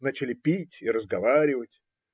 Начали пить и разговаривать.